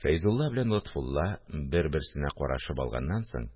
Фәйзулла белән Лотфулла бер-берсенә карашып алганнан соң